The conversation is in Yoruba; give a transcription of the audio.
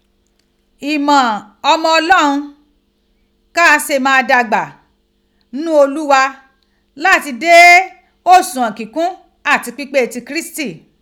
Imo omo Olohun ka se maa dagba n nu Olugha, lati de osughan kikun ati pipe ti Kirisiti.